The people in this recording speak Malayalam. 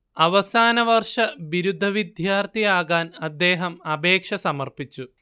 അവസാനവർഷ ബിരുദ വിദ്യാർത്ഥിയാകാൻ അദ്ദേഹം അപേക്ഷ സമർപ്പിച്ചു